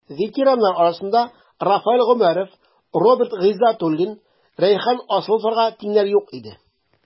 Ветераннар арасында Рафаэль Гомәров, Роберт Гыйздәтуллин, Рәйхан Асыловларга тиңнәр юк иде.